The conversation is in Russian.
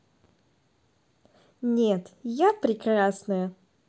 нет я прекрасная